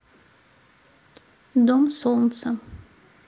дом солнца